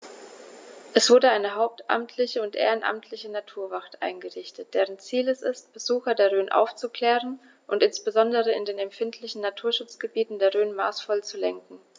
Es wurde eine hauptamtliche und ehrenamtliche Naturwacht eingerichtet, deren Ziel es ist, Besucher der Rhön aufzuklären und insbesondere in den empfindlichen Naturschutzgebieten der Rhön maßvoll zu lenken.